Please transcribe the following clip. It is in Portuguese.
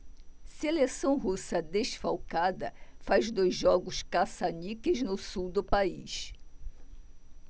seleção russa desfalcada faz dois jogos caça-níqueis no sul do país